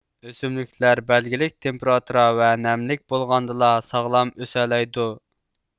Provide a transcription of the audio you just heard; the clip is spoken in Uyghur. ئۆسۈملۈكلەر بەلگىلىك تېمپېراتۇرا ۋە نەملىك بولغاندىلا ساغلام ئۆسەلەيدۇ